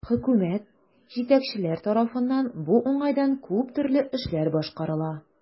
Хөкүмәт, җитәкчеләр тарафыннан бу уңайдан күп төрле эшләр башкарыла.